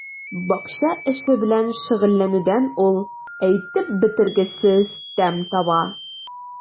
Бакча эше белән шөгыльләнүдән ул әйтеп бетергесез тәм таба.